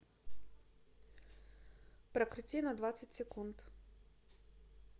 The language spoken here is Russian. прокрути на двадцать секунд